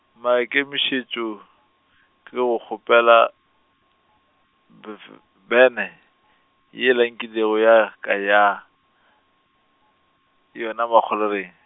maikemišetšo ke go kgopela, befe-, bene, yela nkilego ya ka ya, yona Mahwelereng.